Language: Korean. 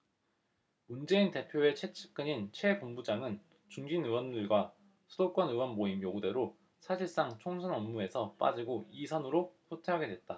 문재인 대표의 최측근인 최 본부장은 중진 의원들과 수도권 의원 모임 요구대로 사실상 총선 업무에서 빠지고 이 선으로 후퇴하게 됐다